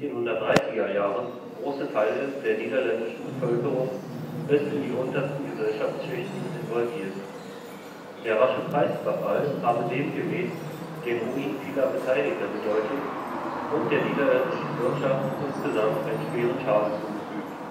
1630er Jahren große Teile der niederländischen Bevölkerung bis in die untersten Gesellschaftsschichten involviert. Der rasche Preisverfall habe demgemäß den Ruin vieler Beteiligter bedeutet und der niederländischen Wirtschaft insgesamt einen schweren Schaden zugefügt